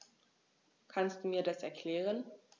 Kannst du mir das erklären?